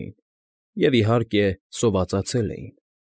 Էին, և, իհարկե, սովածացել էին։